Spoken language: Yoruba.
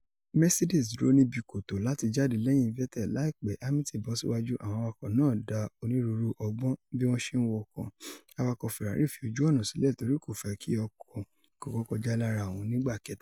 Mercedes dúró níbi kòtò láti jáde lẹ́yìn Vettel. Láìpẹ́, Hamilton bọ́ síwájú. Àwọn awakọ̀ náà dá onírúurú ọgbọ́n bí wọ́n ṣe n wọkọ̀ . Awakọ̀ Ferari fi ojú-ọ̀nà sílẹ̀ torí kò fẹ́ ki ọkọ kọ̀ọ̀kan kọjá lára òun nígbà kẹta.